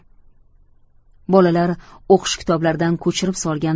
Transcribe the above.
bolalar o'qish kitoblaridan ko'chirib solgan